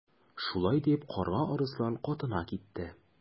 Шулай дип Карга Арыслан катына китте.